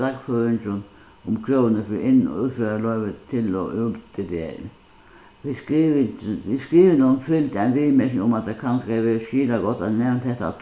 dagføringin um krøvini fyri inn- og útferðarloyvi til og úr ddr við skrivinum fylgdi ein viðmerking um at tað kanska hevði verið skilagott at nevnt hetta á